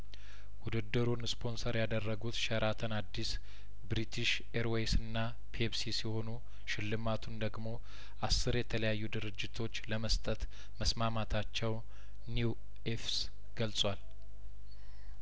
ውድድሩን ስፖንሰር ያደረጉት ሸራተን አዲስ ብሪቲሽ ኤር ዌይስና ፔፕሲ ሲሆኑ ሽልማቱን ደግሞ አስር የተለያዩ ድርጅቶች ለመስጠት መስማማታቸው ኒው ኢፍስ ገልጿል